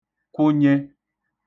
kwụnye